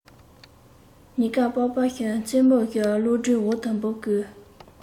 ཉིན དཀར པགས པ བཤུས མཚན མོར གློག སྒྲོན འོག ཏུ འབུ བརྐོས